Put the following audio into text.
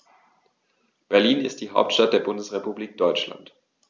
Berlin ist die Hauptstadt der Bundesrepublik Deutschland.